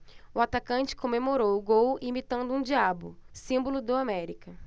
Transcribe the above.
o atacante comemorou o gol imitando um diabo símbolo do américa